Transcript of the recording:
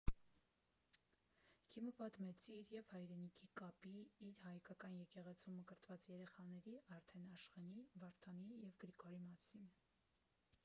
Քիմը պատմեց իր և հայրենիքի կապի, իր՝ հայկական եկեղեցում մկրտված երեխաների՝ արդեն Աշխենի, Վարդանի և Գրիգորի մասին։